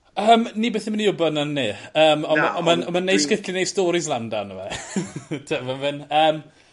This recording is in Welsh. Yym ni byth yn myn i wbod nawr 'yn ni. Yym on' ma' on' ma'n on' ma' neis gallu neu' storis lan amdano fe t'wod ma' fe'n yym